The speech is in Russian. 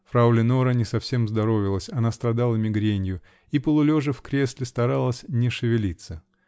Фрау Леноре не совсем здоровилось: она страдала мигренью -- и, полулежа в кресле, старалась не шевелиться.